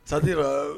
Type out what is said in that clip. Sadira